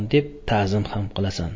deb ta'zim xam qilasan